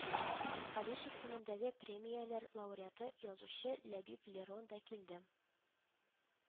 Алиш исемендәге премияләр лауреаты, язучы Ләбиб Лерон да килде